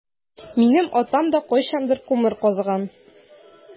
Минем атам да кайчандыр күмер казыган.